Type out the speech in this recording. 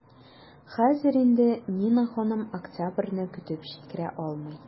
Хәзер инде Нина ханым октябрьне көтеп җиткерә алмый.